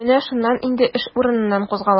Менә шуннан инде эш урыныннан кузгала.